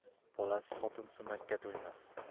bolasiz xotin sumakka to'ymas